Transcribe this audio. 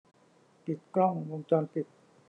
ปิดกล้องวงจรปิด